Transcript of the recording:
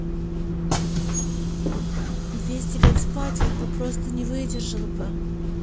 двести лет спать он бы просто не выдержал бы